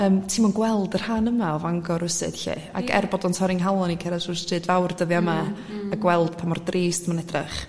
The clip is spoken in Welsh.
yym ti'm yn gweld y rhan yma o Fangor rwsyd 'llu ac er bod o'n torri'n nghalon i cerddad trw'r stryd fawr dyddia yma a gweld pa mor drist ma'n edrych